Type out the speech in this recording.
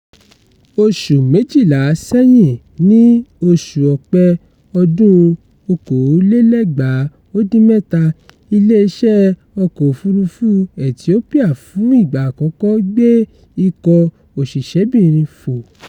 Oṣù méjìlá sẹ́yìn, ní oṣù Ọ̀pẹ ọdún 2017, Ilé-iṣẹ́ Ọkọ̀ òfuurufú Ethiopia fún ìgbà àkókọ́ gbé ikọ̀ òṣìṣẹ́bìnrin fò.